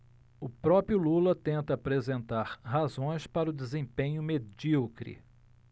o próprio lula tenta apresentar razões para o desempenho medíocre